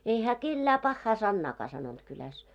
ei hän kenellekään pahaa sanaakaan sanonut kylässä